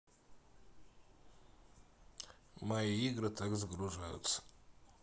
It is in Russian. мои игры так загружаются